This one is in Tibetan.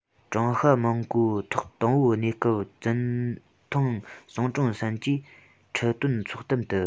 ཀྲུང ཧྭ མིན གོའི ཐོག དང པོའི གནས སྐབས ཙུང ཐུན སུང ཀྲུང ཧྲན གྱིས ཁྲི སྟོན ཚོགས གཏམ དུ